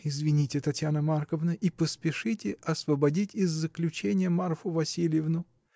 Извините, Татьяна Марковна, и поспешите освободить из заключения Марфу Васильевну.